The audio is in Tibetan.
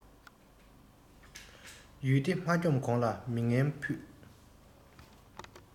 ཡུལ སྡེ མ འཁྱོམས གོང ལ མི ངན ཕུད